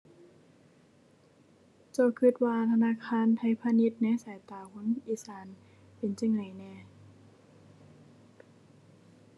เจ้าคิดว่าธนาคารไทยพาณิชย์ในสายตาของคนอีสานเป็นจั่งใดแหน่